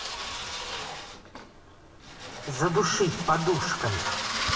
задушить подушкой